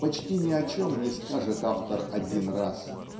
Почти ни о чем не скажет автор один раз